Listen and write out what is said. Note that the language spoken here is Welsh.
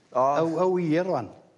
O... Y w- y wir rŵan.